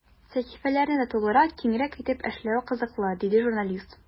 Сәхифәләрне дә тулырак, киңрәк итеп эшләве кызыклы, диде журналист.